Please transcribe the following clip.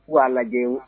K'a lajɛ